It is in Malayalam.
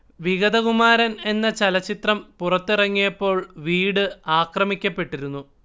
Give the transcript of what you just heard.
വിഗതകുമാരൻ എന്ന ചലച്ചിത്രം പുറത്തിറങ്ങിയപ്പോൾ വീട് ആക്രമിക്കപ്പെട്ടിരുന്നു